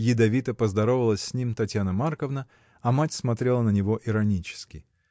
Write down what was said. — ядовито поздоровалась с ним Татьяна Марковна, а мать смотрела на него иронически.